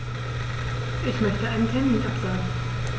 Ich möchte einen Termin absagen.